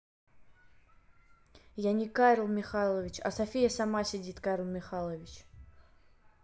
я не карл михайлович а софия сама сидит карл михайлович